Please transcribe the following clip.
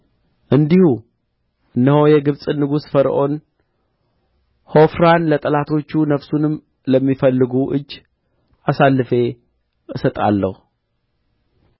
እንዲሁ እነሆ የግብጹን ንጉሥ ፈርዖን ሖፍራን ለጠላቶቹ ነፍሱንም ለሚፈልጉ እጅ አሳልፌ እሰጠዋለሁ